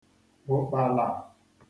ụ̀kpàlà